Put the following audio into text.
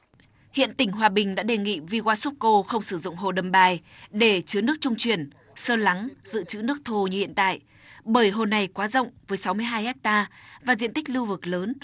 hiện tỉnh hòa bình đã đề nghị vi qua xúc cô không sử dụng hồ đầm bài để chứa nước trung chuyển sơ lắng dự trữ nước thô như hiện tại bởi hồ này quá rộng với sáu mươi hai héc ta và diện tích lưu vực lớn